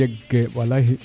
yeg kee walaay